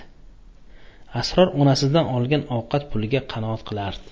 sror onasidan olgan ovqat puliga qanoat qilardi